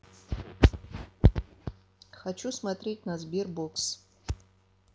хочу смотреть на sberbox